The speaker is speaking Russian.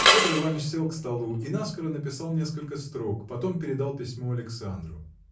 Петр Иваныч сел к столу и наскоро написал несколько строк потом передал письмо Александру.